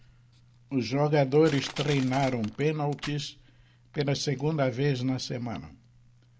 os jogadores treinaram pênaltis pela segunda vez na semana